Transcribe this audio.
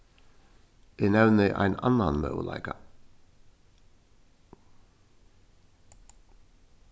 eg nevni ein annan møguleika